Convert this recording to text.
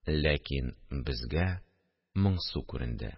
Ләкин безгә моңсу күренде